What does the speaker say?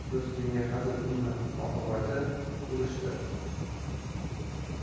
do'stingga hazil qilma oqibati urishdir